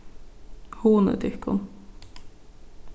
hugnið tykkum